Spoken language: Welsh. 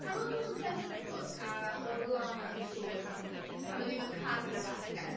Pan o'n nhw'n yn sefyll yn y pwll, a oedd Lana yn sôn am pan oedd hi mewn car gyda bachgen...